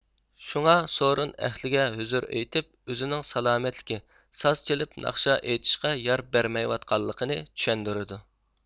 شۇڭا سورۇن ئەھلىگە ھۆزۈر ئېيتىپ ئۆزىنىڭ سالامەتلىكى ساز چېلىپ ناخشا ئېيتىشقا يار بەرمەيۋاتقانلىقىنى چۈشەندۈرىدۇ